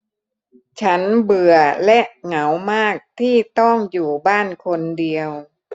ฉันเบื่อและเหงามากที่ต้องอยู่บ้านคนเดียว